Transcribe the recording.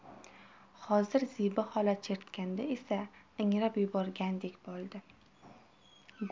hozir zebi xola chertganda esa ingrab yuborgandek bo'ldi